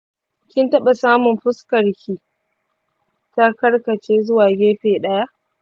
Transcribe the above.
kin taɓa samun fuskarki ta karkace zuwa gefe daya?